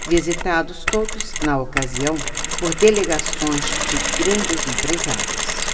visitados todos na ocasião por delegações de grandes empresários